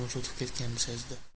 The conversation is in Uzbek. o'tib ketganini sezdi